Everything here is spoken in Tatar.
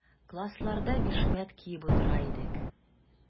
Классларда бишмәт киеп утыра идек.